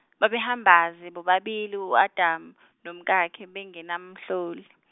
babehamba ze bobabili u Adam nomkakhe bengenamahloni.